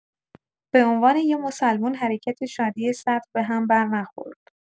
به عنوان یه مسلمون حرکت شادی صدر بهم برنخورد.